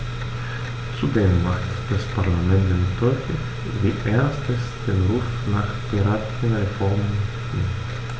Zudem macht das Parlament damit deutlich, wie ernst es den Ruf nach derartigen Reformen nimmt.